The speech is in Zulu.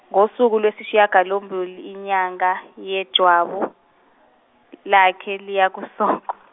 ngosuku lwesishiyagalombl- inyanga yeJwabu, lakhe liyakusokwa.